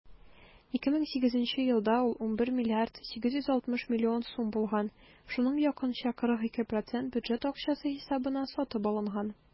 2008 елда ул 11,86 млрд. сум булган, шуның якынча 42 % бюджет акчасы хисабына сатып алынган.